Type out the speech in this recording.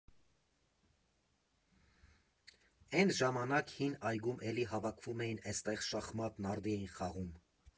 Էն ժամանակ հին այգում էլի հավաքվում էին էստեղ շախմատ, նարդի էին խաղում։